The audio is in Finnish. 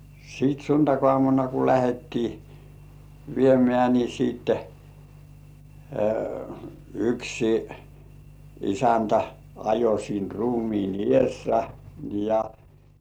sitten sunnuntaiaamuna kun lähdettiin viemään niin sitten yksi isäntä ajoi siinä ruumiin edessä ja